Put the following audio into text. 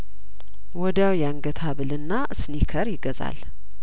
ወዲያው የአንገት ሀብልና ስኒከር ይገዛል